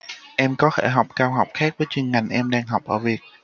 em có thể học cao học khác với chuyên ngành em đang học ở việt